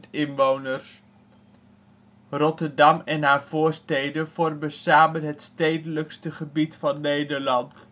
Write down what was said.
983.000 inwoners. Rotterdam en haar voorsteden vormen samen het stedelijkste gebied van Nederland